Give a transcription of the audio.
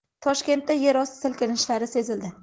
toshkentda yerosti silkinishlari sezildi